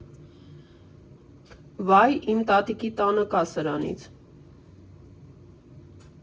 Վա՜յ, իմ տատիկի տանը կա սրանից։